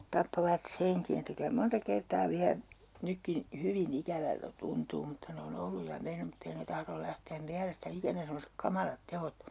tappoivat senkin että kyllä monta kertaa vielä nytkin hyvin ikävältä tuntuu mutta ne on ollut ja mennyt mutta ei ne tahdo lähteä mielestä ikänä semmoiset kamalat teot